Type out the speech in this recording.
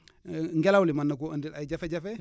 ngelaw li mën na koo indil ay jafe-jafe